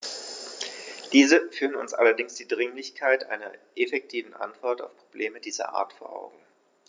Diese führen uns allerdings die Dringlichkeit einer effektiven Antwort auf Probleme dieser Art vor Augen.